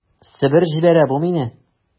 Себер җибәрә бу мине...